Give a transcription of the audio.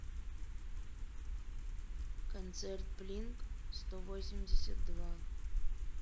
концерт блинк сто восемьдесят два